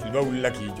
wulila k'i jɔ